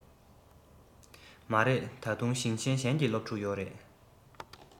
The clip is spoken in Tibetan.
མ རེད ད དུང ཞིང ཆེན གཞན གྱི སློབ ཕྲུག ཡོད རེད